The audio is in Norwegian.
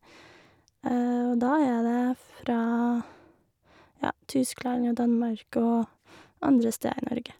Og da er det fra, ja, Tyskland og Danmark og andre steder i Norge.